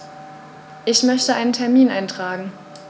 Ich möchte einen Termin eintragen.